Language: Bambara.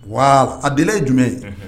Wa a deli ye jumɛn ye